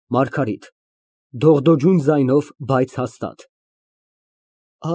ՄԱՐԳԱՐԻՏ ֊ (Դողդոջուն ձայնով, բայց հաստատ)։